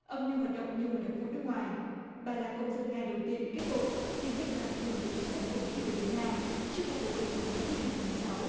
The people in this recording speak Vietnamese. âm mưu hoạt động như một đặc vụ nước ngoài bà là công dân nga đầu tiên bị kết tội tìm cách làm ảnh hưởng tới chính sách của mỹ đối với nga trước cuộc bầu cử tổng thống mỹ hai ngàn mười sáu